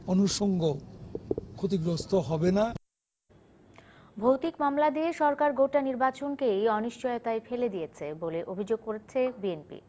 অনুষঙ্গ ক্ষতিগ্রস্ত হবে না ভৌতিক মামলা দিয়ে সরকার গোটা নির্বাচনকেই অনিশ্চয়তা ফেলে দিয়েছে বলে অভিযোগ করেছে বিএনপি